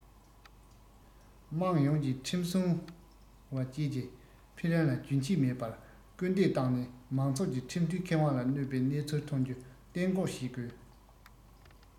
དམངས ཡོངས ཀྱིས ཁྲིམས སྲུང བ བཅས ཀྱི འཕེལ རིམ ལ རྒྱུན ཆད མེད པར སྐུལ འདེད བཏང ནས མང ཚོགས ཀྱི ཁྲིམས མཐུན ཁེ དབང ལ གནོད པའི གནས ཚུལ ཐོན རྒྱུ གཏན འགོག བྱེད དགོས